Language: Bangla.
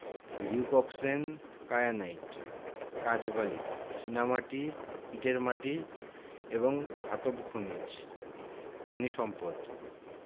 লিউককসেন কায়ানাইট কাঁচবালি চীনামাটি ইটের মাটি এবং ধাতব খনিজ পানি সম্পদ